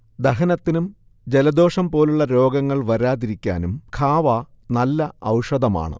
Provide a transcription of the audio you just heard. ദഹനത്തിനും ജലദോഷം പോലുള്ള രോഗങ്ങൾ വരാതിരിക്കാനും ഖാവ നല്ല ഔഷധമാണ്